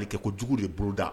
Kɛ ko jugu de b'o da